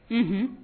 Unhun